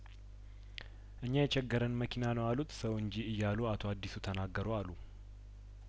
እኛ የቸገረን መኪና ነው አሉት ሰው እንጂ እያሉ አቶ አዲሱ ተናገሩ አሉ